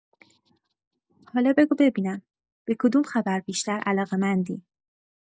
حالا بگو ببینم، به کدوم خبر بیشتر علاقه‌مندی؟